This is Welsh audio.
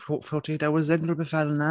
fo- forty eight hours in, rhywbeth fel 'na?